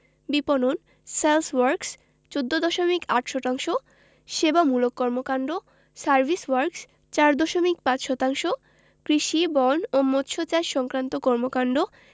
বিপণন sales works ১৪দশমিক ৮ শতাংশ সেবামূলক কর্মকান্ড সার্ভিস ওয়ার্ক্স ৪ দশমিক ৫ শতাংশ কৃষি বন ও মৎসচাষ সংক্রান্ত কর্মকান্ড